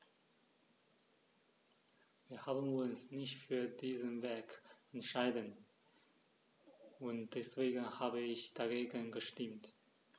Wir haben uns nicht für diesen Weg entschieden, und deswegen habe ich dagegen gestimmt.